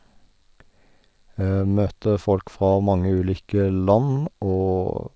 Møter folk fra mange ulike land, og...